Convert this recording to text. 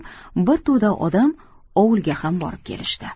bir to'da odam ovulga ham borib kelishdi